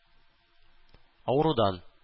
Авырудан